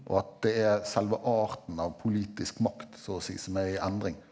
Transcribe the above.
og at det er selve arten av politisk makt så å si som er i endring.